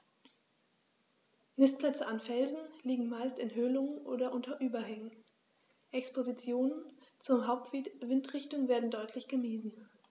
Nistplätze an Felsen liegen meist in Höhlungen oder unter Überhängen, Expositionen zur Hauptwindrichtung werden deutlich gemieden.